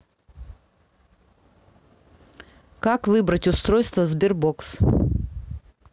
как выбрать устройство sberbox